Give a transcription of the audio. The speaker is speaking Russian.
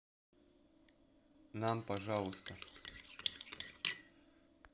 нам пожалуйста